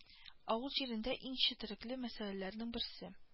Авыл җирендә иң четерекле мәсьәләләрнең берсе